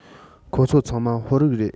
ཁོ ཚོ ཚང མ ཧོར རིགས རེད